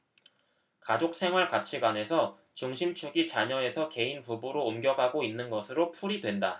가족생활 가치관에서 중심축이 자녀에서 개인 부부로 옮겨가고 있는 것으로 풀이된다